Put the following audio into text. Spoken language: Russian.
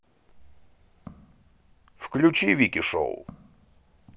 включи вики шоу